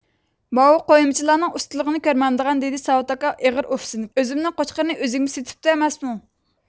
ماۋۇ قويمىچىلارنىڭ ئۇستىلىغىنى كۆرمەمدىغان دېدى ساۋۇت ئاكا ئېغىر ئۇھسىنىپ ئۆزۈمنىڭ قوچقىرىنى ئۆزۈمگە سېتىپتۇ ئەمەسمۇ